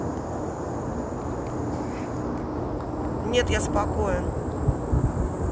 нет я спокоен